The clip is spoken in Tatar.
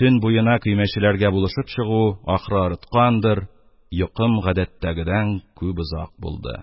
Төн буена көймәчеләргә булышып чыгу, ахры, арыткандыр, йокым гадәттәгедән күп озак булды